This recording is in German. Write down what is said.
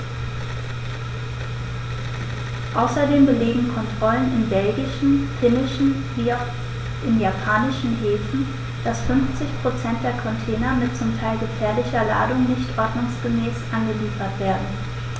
Außerdem belegen Kontrollen in belgischen, finnischen wie auch in japanischen Häfen, dass 50 % der Container mit zum Teil gefährlicher Ladung nicht ordnungsgemäß angeliefert werden.